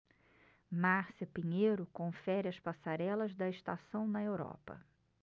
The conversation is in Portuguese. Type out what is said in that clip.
márcia pinheiro confere as passarelas da estação na europa